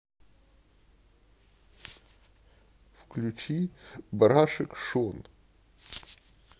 включи барашек шон